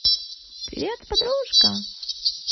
привет подружка